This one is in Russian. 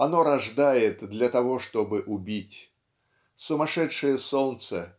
Оно рождает для того, чтобы убить. Сумасшедшее солнце